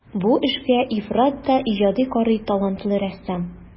Бу эшкә ифрат та иҗади карый талантлы рәссам.